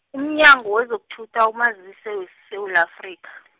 umnyango wezokuthutha umazise, weSewula Afrika .